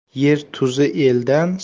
yer tuzi eldan